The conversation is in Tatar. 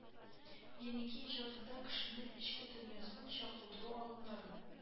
Еники иҗатында кешенең эчке дөньясын чагылдыру алымнарын